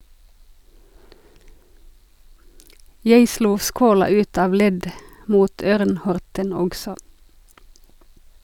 - Jeg slo skåla ut av ledd mot Ørn-Horten også.